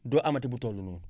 doo amati bu toll noonu